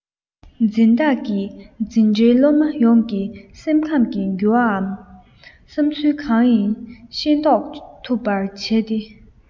འཛིན བདག གིས འཛིན གྲྭའི སློབ མ ཡོངས ཀྱི སེམས ཁམས ཀྱི འགྱུར བའམ བསམ ཚུལ གང ཡིན ཤེས རྟོགས ཐུབ པར བྱས ཏེ